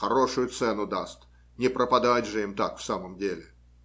Хорошую цену даст; не пропадать же им так, в самом деле.